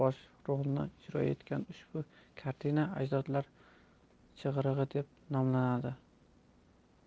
ushbu kartina ajdodlar chaqirig'i deb nomlanadi